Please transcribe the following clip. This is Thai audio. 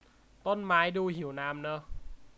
ต้นไม้ดูหิวน้ำเนอะ